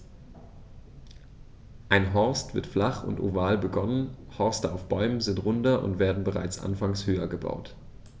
Ein Horst wird flach und oval begonnen, Horste auf Bäumen sind runder und werden bereits anfangs höher gebaut.